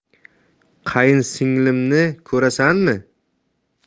qayinsinglimni ko'rasanmi